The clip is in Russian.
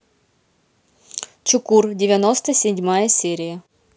чукур девяносто седьмая серия